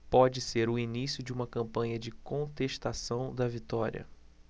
pode ser o início de uma campanha de contestação da vitória